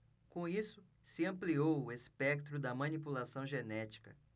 com isso se ampliou o espectro da manipulação genética